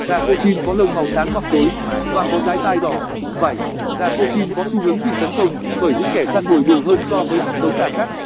gà cochin có lông màu sáng hoặc tối và có dái tai đỏ vảy gà cochin có xu hướng bị tấn công bởi những kẻ săn mồi nhiều hơn so với các giống gà khác